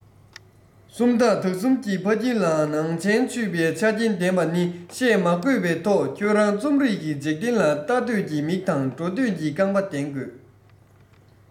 སུམ རྟགས དག གསུམ གྱི ཕ ཁྱིམ ལའང ནང བྱན ཆུབ པའི ཆ རྐྱེན ལྡན པ ནི བཤད མ དགོས པའི ཐོག ཁྱོད རང རྩོམ རིག གི འཇིག རྟེན ལ ལྟ འདོད ཀྱི མིག དང འགྲོ འདོད ཀྱི རྐང པ ལྡན དགོས